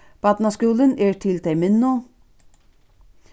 barnaskúlin er til tey minnu